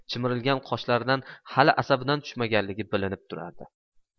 chimirilgan qoshlaridan hali asabidan tushmaganligi bilinib turardi